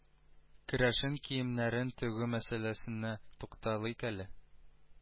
Керәшен киемнәрен тегү мәсьәләсенә тукталыйк әле